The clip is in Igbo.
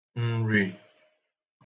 Ǹrì